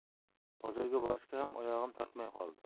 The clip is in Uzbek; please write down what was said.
bozorga borishga ham oyog'im tortmay qoldi